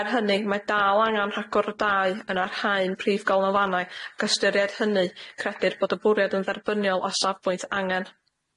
Er hynny mae dal angan rhagor o dai yn arhain prif galon fanau ac ystyried hynny credir bod y bwriad yn dderbyniol a safbwynt angen.